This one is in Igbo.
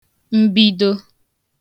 mbido